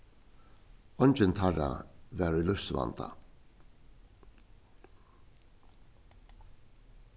eingin teirra var í lívsvanda